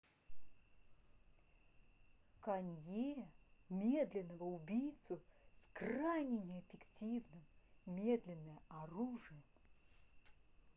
kanye медленного убийцу с крайне неэффективным медленное оружием